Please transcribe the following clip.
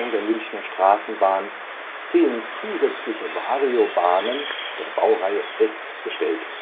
der Münchner Straßenbahn zehn zusätzliche Variobahnen der Baureihe S bestellt